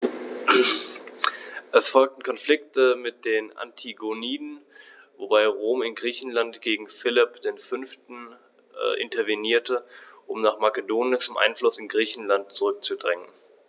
Es folgten Konflikte mit den Antigoniden, wobei Rom in Griechenland gegen Philipp V. intervenierte, um den makedonischen Einfluss in Griechenland zurückzudrängen.